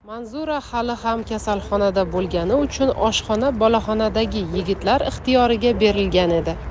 manzura hali ham kasalxonada bo'lgani uchun oshxona boloxonadagi yigitlar ixtiyoriga berilgan edi